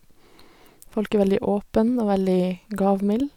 Folk er veldig åpen og veldig gavmild.